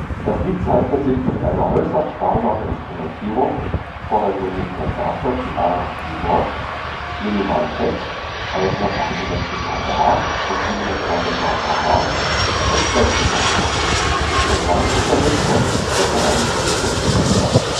Das Lied zeichnet sich durch eine äußerst sparsame Instrumentierung (vordergründig nur Schlagzeug, Gitarre und Keyboard), minimalen Text (168 mal „ da “und 27 mal „ aha “) und Sprechgesang aus. Prägnant ist der Rhythmus, der von einem Spielzeug-Keyboard (Casio VL-1) stammt